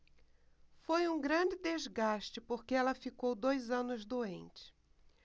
foi um grande desgaste porque ela ficou dois anos doente